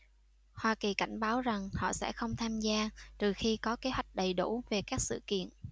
hoa kỳ cảnh báo rằng họ sẽ không tham gia trừ khi có kế hoạch đầy đủ về các sự kiện